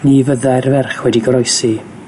ni fyddai'r ferch wedi goroesi.